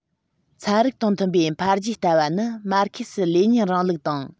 ཚན རིག དང མཐུན པའི འཕེལ རྒྱས ལྟ བ ནི མར ཁེ སི ལེ ཉིན རིང ལུགས དང